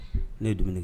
Ne ye dumuni